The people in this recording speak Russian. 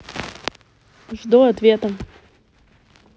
жду ответа